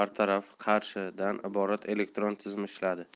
betaraf qarshi dan iborat elektron tizim ishladi